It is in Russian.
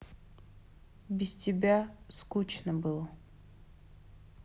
без тебя скучно было